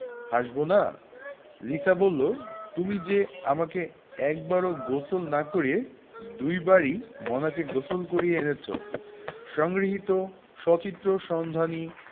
হাসবোনা লিসা বললো তুমি যে আমাকে একবারও গোসল না করিয়ে দুবারই মোনাকে গোসল করিয়ে এনেছো সংগৃহীত সচিত্র সন্ধানী